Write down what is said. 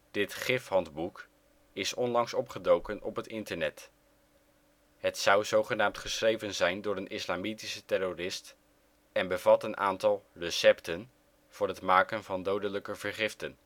Dit " Gifhandboek " is onlangs opgedoken op het internet. Het zou zogenaamd geschreven zijn door een islamitische terrorist en bevat een aantal " recepten " voor het maken van dodelijke vergiften